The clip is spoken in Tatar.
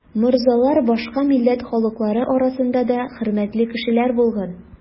Морзалар башка милләт халыклары арасында да хөрмәтле кешеләр булган.